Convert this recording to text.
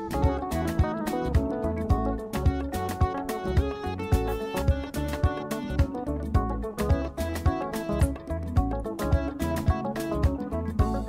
Nka nk nk nk nk nk nka mɛ laban